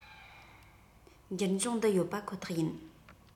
འགྱུར འབྱུང འདི ཡོད པ ཁོ ཐག ཡིན